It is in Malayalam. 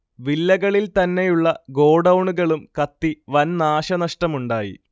വില്ലകളിൽ തന്നെയുള്ള ഗോഡൗണുകളും കത്തി വൻ നാശന്ഷടമുണ്ടായി